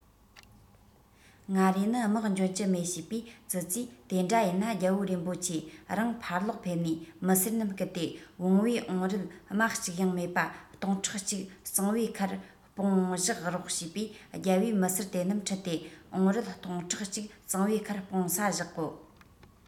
ང རས ནི དམག འཇོན གྱི མེད བྱས པས ཙི ཙིས དེ འདྲ ཡིན ན རྒྱལ པོ རིན པོ ཆེ རང ཕར ལོག ཕེབས ནས མི སེར རྣམས སྐུལ ཏེ བོང བུའི ཨོག རིལ རྨ ཅིག ཡང མེད པ སྟོང ཕྲག གཅིག གཙང པོའི ཁར སྤུངས བཞག རོགས བྱས པས རྒྱལ པོས མི སེར དེ རྣམས ཁྲིད དེ ཨོག རིལ སྟོང ཕྲག གཅིག གཙང པོའི ཁར སྤུངས བཞག གོ